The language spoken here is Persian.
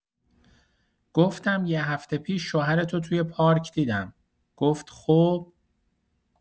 گفتم یه هفته پیش شوهرتو توی پارک دیدم، گفت خب؟